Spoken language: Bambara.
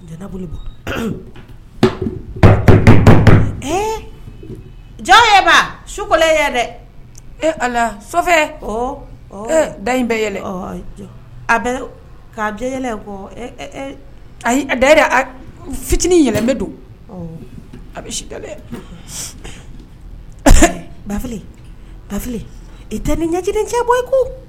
Bɔ ee jaba sukolen dɛ a sofɛ da in bɛɛ yɛlɛ a bɛ k'a bɛɛ yɛlɛ kɔ da yɛrɛ fitinin yɛlɛ bɛ don a bɛ sida bafi bafi i tɛ ni ɲɛc cɛ bɔ yen ko